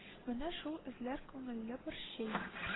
Менә шул эзләр күңелле борчый